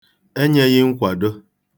enyeghị nkwado